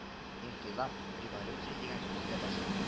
Инкыйлаб революция дигән сүз ләбаса